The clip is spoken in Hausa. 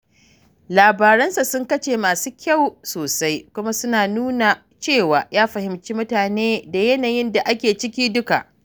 Labaransa sun kasance masu kyau sosai, kuma suna nuna cewa ya fahimci mutane da yanayin da ake ciki duka.